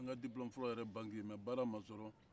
n ka diplome fɔlɔ yɛrɛ ye banki ye mɛ baara ma sɔrɔ